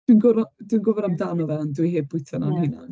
Dwi'n gwbo- dwi'n gwbod amdano fe, ond dwi heb bwyta yna... ie ...fy hunan.